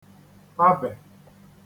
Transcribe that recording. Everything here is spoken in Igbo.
-tabè